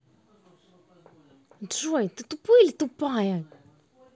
джой ты тупой или тупая